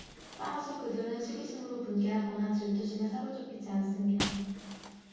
따라서 그들은 시기심으로 분개하거나 질투심에 사로잡히지 않습니다